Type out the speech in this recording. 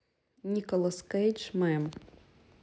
перезагрузить компьютер